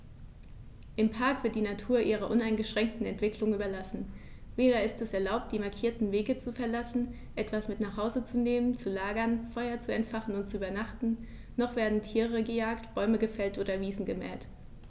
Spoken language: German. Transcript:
Im Park wird die Natur ihrer uneingeschränkten Entwicklung überlassen; weder ist es erlaubt, die markierten Wege zu verlassen, etwas mit nach Hause zu nehmen, zu lagern, Feuer zu entfachen und zu übernachten, noch werden Tiere gejagt, Bäume gefällt oder Wiesen gemäht.